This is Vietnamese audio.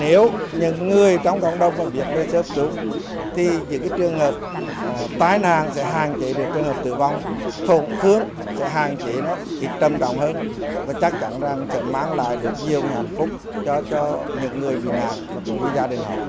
nếu những người trong cộng đồng và biết về sơ cứu thì những trường hợp tai nạn sẽ hạn chế được trường hợp tử vong tổn thương sẽ hạn chế rất ít trầm trọng hơn và chắc chắn rằng chẳng mang lại được nhiều người hạnh phúc cho cho những người bị nạn cũng như gia đình họ